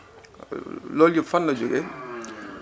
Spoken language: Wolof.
loolu yëpp fan la jógee